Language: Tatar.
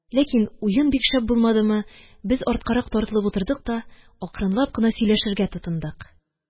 Ләкин уен бик шәп булмадымы, без арткарак тартылып утырдык та акрынлап кына сөйләшергә тотындык.